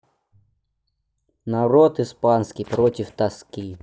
народ испанский против тоски